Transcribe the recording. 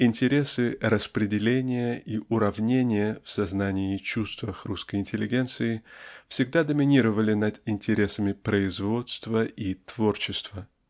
интересы распределения и уравнения в сознании и чувствах русской интеллигенции всегда доминировали над интересами производства и творчества.